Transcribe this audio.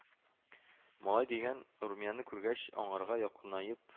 Малай дигән Румияне күргәч анарга якынаеп